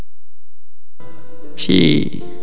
شيء